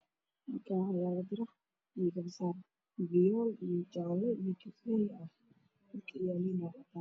Meeshaan waa meel webi ah OO dadka ay ka caban jawi ay ku qaataan OO aad u qurxoon